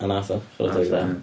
A wnaeth o. Chwarae teg iddo fo.